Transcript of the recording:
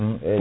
eyyi